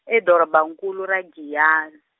e doroba nkulu ra Giyani.